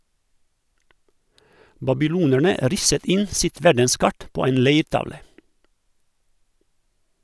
Babylonerne risset inn sitt verdenskart på en leirtavle.